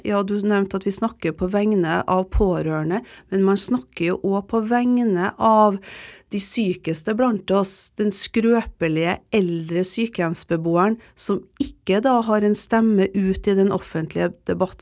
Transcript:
ja du nevnte at vi snakker på vegne av pårørende, men man snakker jo òg på vegne av de sykeste blant oss den skrøpelige eldre sykehjemsbeboeren som ikke da har en stemme ut i den offentlige debatt.